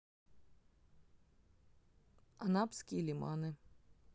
анапские лиманы